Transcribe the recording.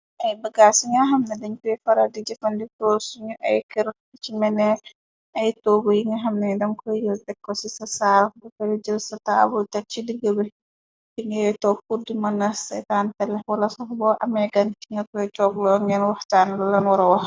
Ay bagaa suña xamna dañ koy fara di jëfandi pros suñu ay kër, ci menee ay toobu yi nga xamna dam koy yër dekko ci ca saar, bu fere jël sa taabul tej ci diggabe, di ngay top pudd mëna setan tele, wala sax bo ameegan, ci nga koy cogloo ngeen waxtaan lalan waro wax.